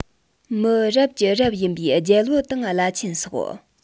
མི རབ ཀྱི རབ ཡིན པའི རྒྱལ བུ དང བླ ཆེན སོགས